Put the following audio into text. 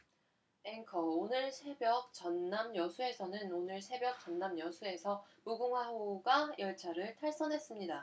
앵커 오늘 새벽 전남 여수에서 오늘 새벽 전남 여수에서 무궁화호 열차가 탈선했습니다